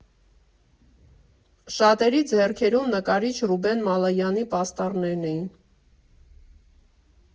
Շատերի ձեռքերում նկարիչ Ռուբեն Մալայանի պաստառներն էին։